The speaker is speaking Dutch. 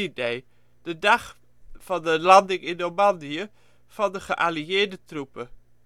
D-day, de dag van de landing in Normandië van de geallieerde troepen